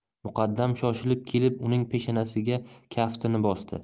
muqaddam shoshilib kelib uning peshanasiga kaftini bosdi